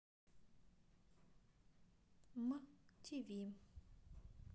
м тиви